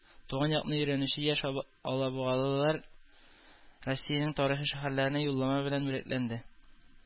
Туган якны өйрәнүче яшь алабугалылар Россиянең тарихи шәһәрләренә юллама белән бүләкләнде